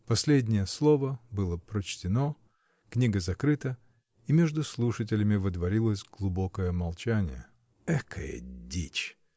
Последнее слово было прочтено, книга закрыта, и между слушателями водворилось глубокое молчание. — Экая дичь!